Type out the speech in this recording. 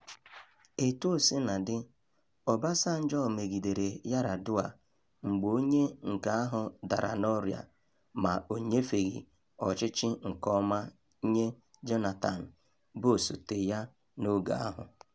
Etuosinadị, Obasanjo megidere Yar'Adua mgbe onye nke ahụ dara n'ọrịa ma o nyefeghị ọchịchị nke ọma nye Jonathan, bụ osote ya n'oge ahụ.